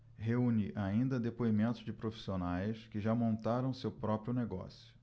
reúne ainda depoimentos de profissionais que já montaram seu próprio negócio